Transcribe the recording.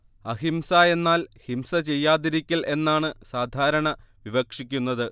അഹിംസ എന്നാൽ ഹിംസ ചെയ്യാതിരിക്കൽ എന്നാണ് സാധാരണ വിവക്ഷിക്കുന്നത്